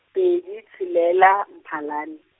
pedi tshelela, Mphalane.